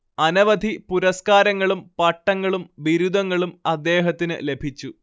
അനവധി പുരസ്കാരങ്ങളും പട്ടങ്ങളും ബിരുദങ്ങളും അദ്ദേഹത്തിന് ലഭിച്ചു